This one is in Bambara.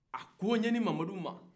a ko ɲani mamadu ma